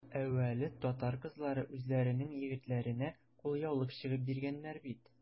Әүвәле татар кызлары үзләренең егетләренә кулъяулык чигеп биргәннәр бит.